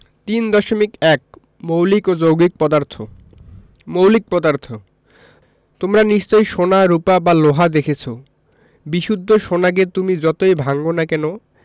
৩.১ মৌলিক ও যৌগিক পদার্থঃ মৌলিক পদার্থ তোমরা নিশ্চয় সোনা রুপা বা লোহা দেখেছ বিশুদ্ধ সোনাকে তুমি যতই ভাঙ না কেন